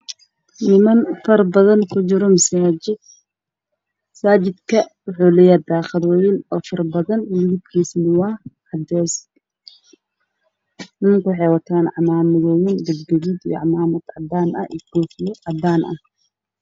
niman fara badan oo ku jiraan masjid waxayna wataan khamiisyo iyo cimaamado isku eg